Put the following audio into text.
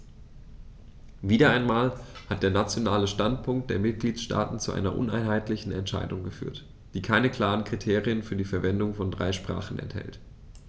Wieder einmal hat der nationale Standpunkt der Mitgliedsstaaten zu einer uneinheitlichen Entscheidung geführt, die keine klaren Kriterien für die Verwendung von drei Sprachen enthält.